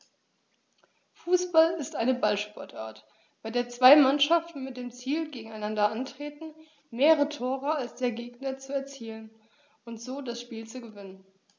Fußball ist eine Ballsportart, bei der zwei Mannschaften mit dem Ziel gegeneinander antreten, mehr Tore als der Gegner zu erzielen und so das Spiel zu gewinnen.